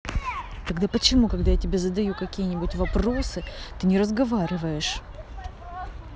тогда почему когда я тебе задаю какие нибудь вопросы ты не разговариваешь